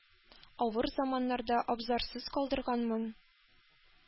Авыр заманнарда абзарсыз калдырганмын.